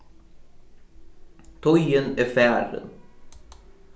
tíðin er farin